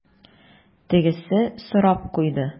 Тегесе сорап куйды: